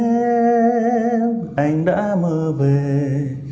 em anh đã mơ về